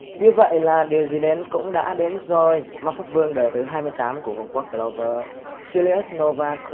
như vậy là điều gì đến cũng đã đến rồi ma pháp vương đời thứ của vương quốc clover julius novachrono